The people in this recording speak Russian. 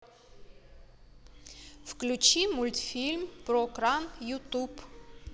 включи мультфильм про кран ютуб